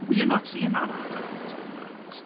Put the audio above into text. We are not seeing that Adam at this moment.